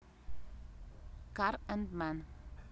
car and men